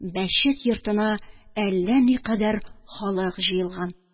Мәчет йортына әллә никадәр халык җыелган.